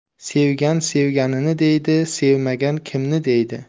sevgan sevganini deydi sevmagan kimni deydi